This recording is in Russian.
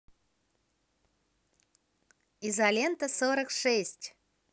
изолента сорок шесть